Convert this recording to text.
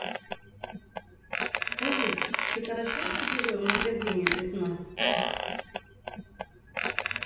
скажи ты хорошо что ты жил в магазине без нас